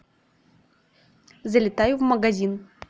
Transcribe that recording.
залетаю в магазин